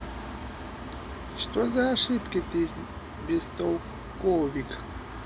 что за ошибки ты бестолковик